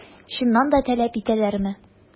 Чыннан да таләп итәләрме?